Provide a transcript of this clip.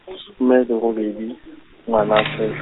some le robedi, Ngwanatsele.